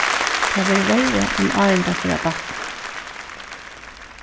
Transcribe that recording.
tað verður verri enn áðrenn tað fer at batna